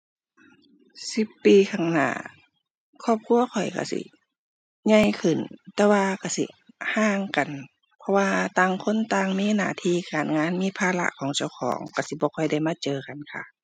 สิบปีข้างหน้าครอบครัวข้อยก็สิใหญ่ขึ้นแต่ว่าก็สิห่างกันเพราะว่าต่างคนต่างมีหน้าที่การงานมีภาระของเจ้าของก็สิบ่ค่อยได้มาเจอกันค่ะ